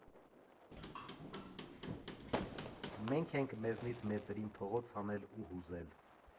Մենք ենք մեզնից մեծերին փողոց հանել ու հուզել։